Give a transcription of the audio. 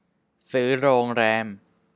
ซื้อโรงแรม